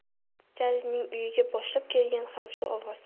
jalilning uyiga boshlab kelgan ham shu ovoz